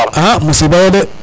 a musiba yo de